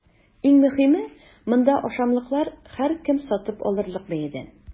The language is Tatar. Иң мөһиме – монда ашамлыклар һәркем сатып алырлык бәядән!